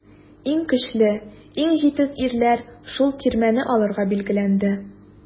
Иң көчле, иң җитез ирләр шул тирмәне алырга билгеләнде.